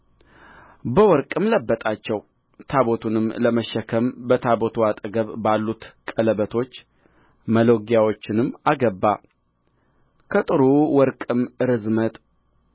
በወርቅም ለበጣቸው ታቦቱንም ለመሸከም በታቦቱ አጠገብ ባሉት ቀለበቶች መሎጊያዎቹን አገባ ከጥሩ ወርቅም ርዝመቱ